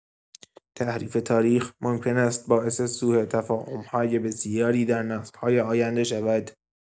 تحریف تاریخ ممکن است باعث سوءتفاهم‌های بسیاری در نسل‌های آینده شود.